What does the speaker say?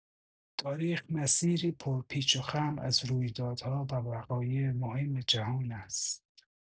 تاریخ، مسیری پر پیچ و خم از رویدادها و وقایع مهم جهان است.